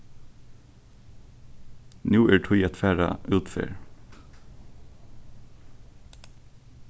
nú er tíð at fara útferð